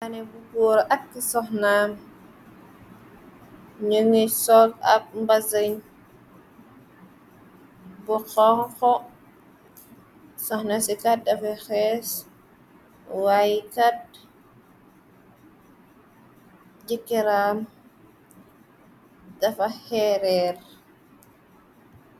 Maane bu góoru ak te soxnaam, ñë ngi sol ab mbazañ bu xonxo. Soxna ci kat dafa xeege waayukat ji kraam dafa xeereer.